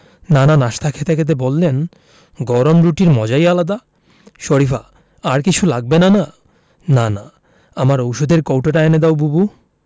খোকন রাতে বলে আমাকে একটা প্লেন কিনে দিবে চাচা খুব বড় দেখে প্লেন প্লেন একটা প্লেন কিনতে কত টাকা লাগে জানিস কোটি কোটি টাকা